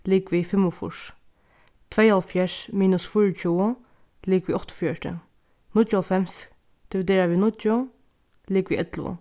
ligvið fimmogfýrs tveyoghálvfjerðs minus fýraogtjúgu ligvið áttaogfjøruti níggjuoghálvfems dividera við níggju ligvið ellivu